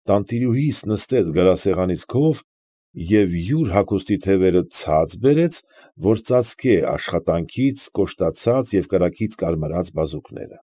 Տանտիրուհիս նստեց գրասեղանիս քով և յուր հագուստի թևերը ցած բերեց, որ ծածկե աշխատանքից կոշտացած և կրակից կարմրած բազուկները։